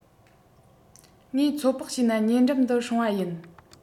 ངས ཚོད དཔག བྱས ན ཉེ འགྲམ དུ སྲུང བ ཡིན